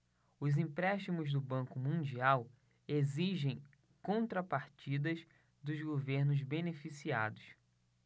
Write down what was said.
os empréstimos do banco mundial exigem contrapartidas dos governos beneficiados